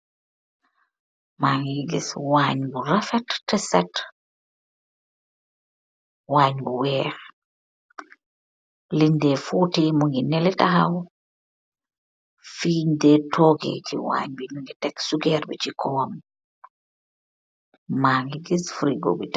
waanyj bu am bagassi yuu weeah.